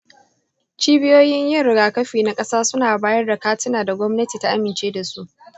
cibiyoyin yin rigakafi na ƙasa suna bayar da katunan da gwamnati ta amince da su.